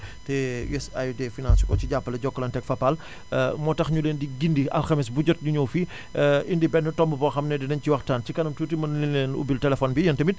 te USAID financé ko ci jàppale Jokalante ak Fapal moo tax ñu leen di gindi alxames bu jot ñu ñëw fii indi benn tombu boo xam ne dinañu ci waxtaan ci kanam tuuti mën nañu leen ubbil téléphone bi yéen tamit